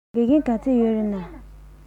དགེ རྒན ག ཚོད ཡོད ན